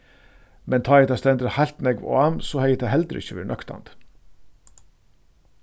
men tá ið tað stendur heilt nógv á so hevði tað heldur ikki verið nøktandi